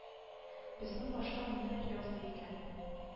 Безнең башка ниләр язды икән